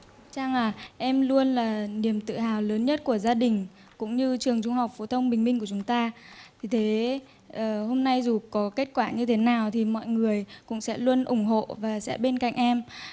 trang à em luôn là niềm tự hào lớn nhất của gia đình cũng như trường trung học phổ thông bình minh của chúng ta vì thế hôm nay dù có kết quả như thế nào thì mọi người cũng sẽ luôn ủng hộ và sẽ bên cạnh em